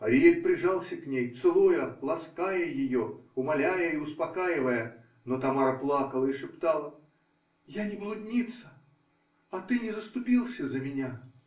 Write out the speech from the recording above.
Ариэль прижался к ней, целуя, лаская ее, умоляя и успокаивая, но Тамара плакала и шептала: -- Я не блудница. а ты не заступился за меня!